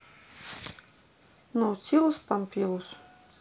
наутилус помпилиус